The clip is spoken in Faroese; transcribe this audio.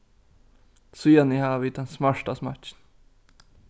síðani hava vit tann smarta smakkin